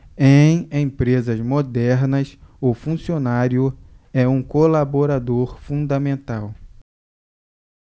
em empresas modernas o funcionário é um colaborador fundamental